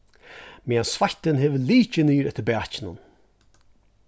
meðan sveittin hevur likið niður eftir bakinum